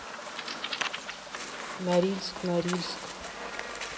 норильск норильск